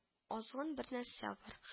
Азгын бер нәрсә бар